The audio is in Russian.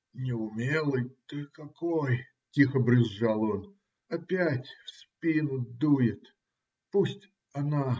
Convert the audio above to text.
- Неумелый ты какой, - тихо брюзжал он, - опять в спину дует. Пусть она.